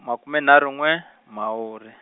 makume nharhu n'we, Mhawuri.